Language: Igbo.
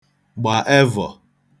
gbà evọ̀